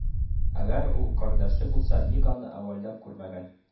Әгәр ул кардәше булса, ник аны әүвәлдә күрмәгән